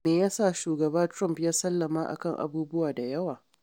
Me ya sa Shugaba Trump ya sallama akan abubuwa da yawa?